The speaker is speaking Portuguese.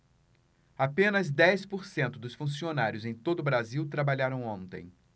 apenas dez por cento dos funcionários em todo brasil trabalharam ontem